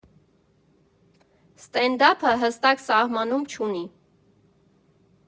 Ստենդափը հստակ սահմանում չունի։